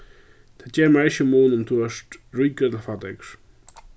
tað ger mær ikki mun um tú ert ríkur ella fátækur